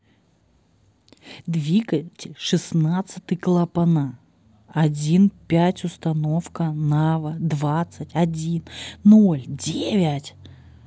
двигатель шестнадцатый клапана один пять установка нава двадцать один ноль девять